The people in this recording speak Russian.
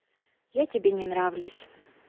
я тебе не нравлюсь